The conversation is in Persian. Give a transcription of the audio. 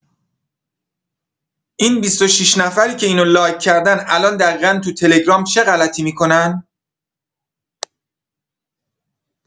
این ۲۶ نفری که اینو لایک کردن الان دقیقا تو تلگرام چه غلطی می‌کنن؟